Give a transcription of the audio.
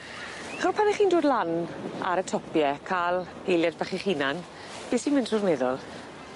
Ch'mo' pan 'ych chi'n dod lan ar y topie ca'l eiliad bach i'ch hunan be' sy'n mynd trw'r meddwl?